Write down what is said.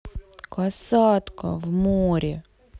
касатка в море